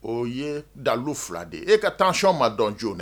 O ye dalu fila de ye e ka taayɔn ma dɔn jo na